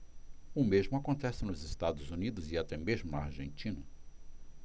o mesmo acontece nos estados unidos e até mesmo na argentina